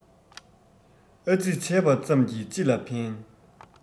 ཨ ཙི བྱས པ ཙམ གྱིས ཅི ལ ཕན